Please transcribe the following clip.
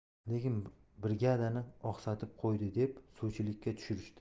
lekin brigadani oqsatib qo'ydi deb suvchilikka tushirishdi